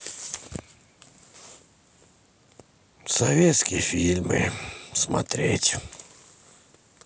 советские фильмы смотреть